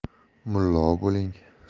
mullo bo'ling